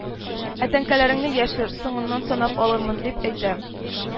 Ә тәңкәләреңне яшер, соңыннан санап алырмын, дип әйтә